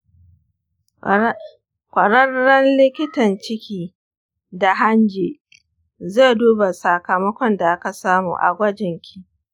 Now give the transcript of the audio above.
kwararren likitan ciki da hanji zai duba sakamakon da aka samu a gwajin ki.